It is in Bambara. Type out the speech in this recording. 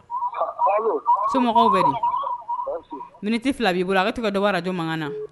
Somɔgɔw bɛ mti fila b'i bolo a bɛ tigɛ dara jɔ makan na